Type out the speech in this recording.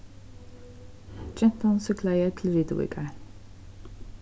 gentan súkklaði til rituvíkar